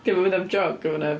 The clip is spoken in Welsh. Dio'm yn mynd am jog efo neb.